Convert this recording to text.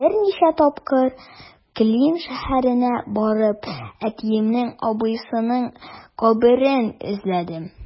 Берничә тапкыр Клин шәһәренә барып, әтиемнең абыйсының каберен эзләдем.